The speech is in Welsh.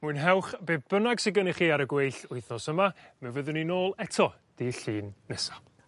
Mwynhewch be' bynnag sy gennych chi ar y gweill wythnos yma mi fyddwn ni nôl eto dydd Llun nesa.